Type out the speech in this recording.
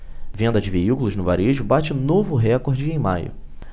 venda de veículos no varejo bate novo recorde em maio